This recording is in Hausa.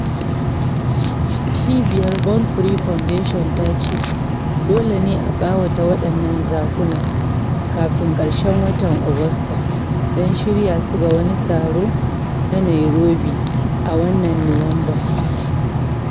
Cibiyar Born Free Foundation ta ce dole ne a ƙawata waɗannan zakuna kafin ƙarshen watan Agusta don shirya su ga wani taro a Nairobi a wannan Nuwamban.